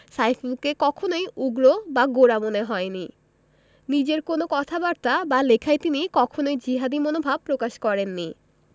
সাইফুলকে কখনোই উগ্র বা গোঁড়া মনে হয়নি নিজের কোনো কথাবার্তা বা লেখায় তিনি কখনোই জিহাদি মনোভাব প্রকাশ করেননি